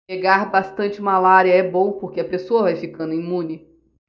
pegar bastante malária é bom porque a pessoa vai ficando imune